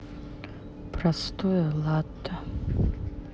простое латте